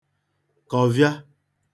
kọ̀vịa